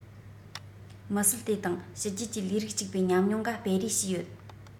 མི སྲིད དེ དང ཕྱི རྒྱལ གྱི ལས རིགས གཅིག པའི ཉམས མྱོང འགའ སྤེལ རེས བྱས ཡོད